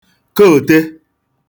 kòòte